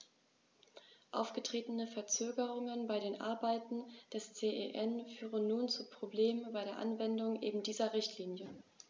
Aufgetretene Verzögerungen bei den Arbeiten des CEN führen nun zu Problemen bei der Anwendung eben dieser Richtlinie.